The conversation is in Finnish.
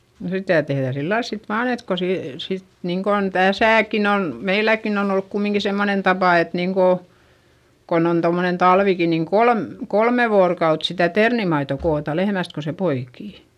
no sitä tehdään sillä lailla sitten vain että kun se sitten niin kuin tässäkin on meilläkin on ollut kumminkin semmoinen tapa että niin kuin kun on tuommoinen talvikin niin kolme kolme vuorokautta sitä ternimaitoa kootaan lehmästä kun se poikii